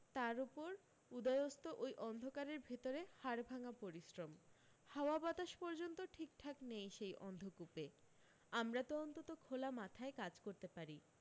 তার ওপর উদয়স্ত অই অন্ধকারের মধ্যে হাড়ভাঙ্গা পরিশ্রম হাওয়া বাতাস পর্যন্ত ঠিকঠাক নেই সেই অন্ধকূপে আমরা তো অন্তত খোলা মাথায় কাজ করতে পারি